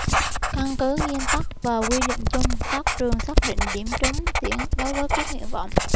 căn cứ nguyên tắc và quy định chung các trường xác định điểm trúng tuyển đối với các nguyện vọng